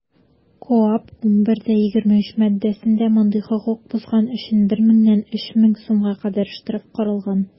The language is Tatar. КоАП 11.23 маддәсендә мондый хокук бозган өчен 1 меңнән 3 мең сумга кадәр штраф каралган.